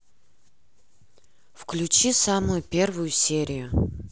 включи самую первую серию